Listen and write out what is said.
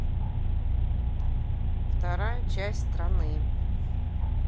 вторая часть страны